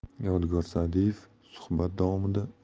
yodgor sa'diyev suhbat davomida